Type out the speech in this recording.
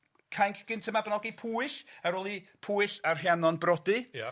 Cainc gynta Mabinogi, Pwyll ar ôl i Pwyll a Rhiannon brodi? Ia.